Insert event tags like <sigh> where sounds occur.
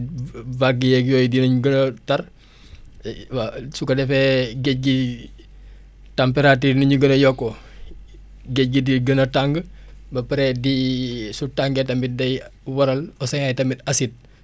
<hesitation> vagues yeeg yooyu dinañ gën a tar <breath> <hesitation> waaw su ko defee géej gi température nit ñi gën a yokku géej gi di gën a tàng ba pare di <hesitation> su tàngee tamit day waral océans yi tamit acides